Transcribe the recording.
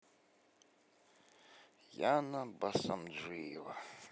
яна басамжиева